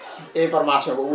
ci information boobu